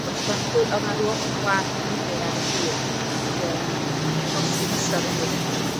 Ma' ma'r glu- a ma' ryw ogla annifyr ar y glud ag yym wi'n llosgi mysadd o hyd.